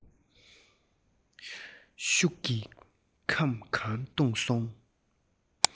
ཤུགས ཀྱིས ཁམ གང བཏུངས སོང